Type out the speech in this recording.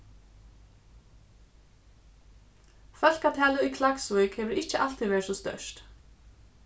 fólkatalið í klaksvík hevur ikki altíð verið so stórt